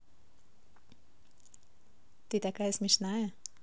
ты такая смешная